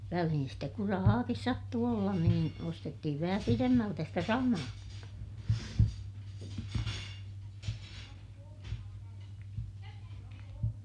väliin sitten kun rahaakin sattui olla niin ostettiin vähän pidemmältä sitä samaakin -